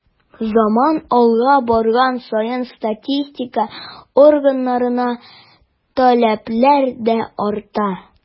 Заман алга барган саен статистика органнарына таләпләр дә арта.